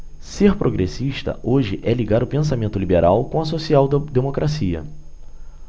ser progressista hoje é ligar o pensamento liberal com a social democracia